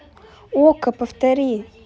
okko повтори